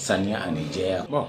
Saniya ani diyaya